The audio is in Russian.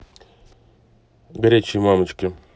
горячие мамочки